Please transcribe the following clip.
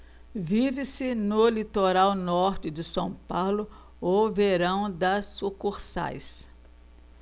vive-se no litoral norte de são paulo o verão das sucursais